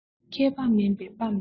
མཁས པ མིན པས དཔའ མི ཐོབ